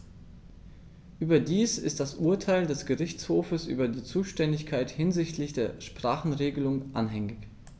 Überdies ist das Urteil des Gerichtshofes über die Zuständigkeit hinsichtlich der Sprachenregelung anhängig.